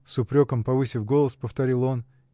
— с упреком, возвысив голос, повторил он.